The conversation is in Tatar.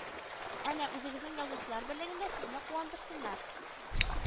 Әнә, үзегезнең Язучылар берлегендә сезне куандырсыннар